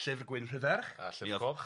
Llyfr Gwyn Rhydderch... A Llyfr Coch...